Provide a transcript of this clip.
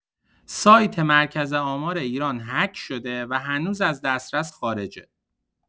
سایت مرکز آمار ایران هک شده و هنوز از دسترس خارجه